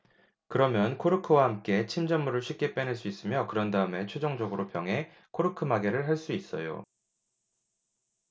그러면 코르크와 함께 침전물을 쉽게 빼낼 수 있으며 그런 다음에 최종적으로 병에 코르크 마개를 할 수 있어요